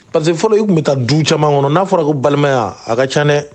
Parce que fɔlɔ i tun bɛ taa du caman kɔnɔ n'a fɔra ko balimaya a ka ca dɛ